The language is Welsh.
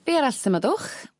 Be' arall sy 'ma 'dwch?